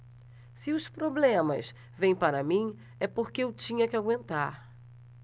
se os problemas vêm para mim é porque eu tinha que aguentar